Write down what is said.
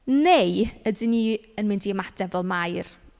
Neu ydyn ni yn mynd i ymateb fel Mair?